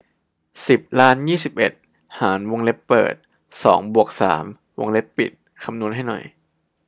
สิบล้านยี่สิบเอ็ดหารวงเล็บเปิดสองบวกสามวงเล็บปิดคำนวณให้หน่อย